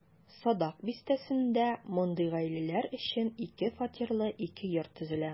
Садак бистәсендә мондый гаиләләр өчен ике фатирлы ике йорт төзелә.